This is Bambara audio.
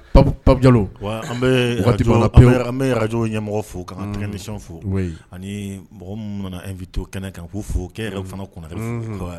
Papu jalo wai an bi radio ɲɛmɔgɔ fo ka an ka technicien fo ani mɔgɔ mun mana invité kɛnɛ kan ku fo . Ka e yɛrɛ fana kɔnate fo